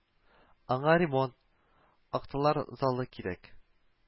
Аңа ремонт, актлар залы кирәк